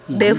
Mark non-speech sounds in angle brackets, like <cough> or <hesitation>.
<hesitation> <hesitation>